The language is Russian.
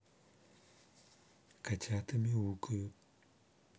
котята мяукают